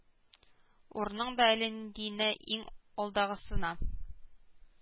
Урынның да әле ниндиенә иң алдагысына